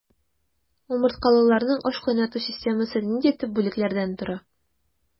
Умырткалыларның ашкайнату системасы нинди төп бүлекләрдән тора?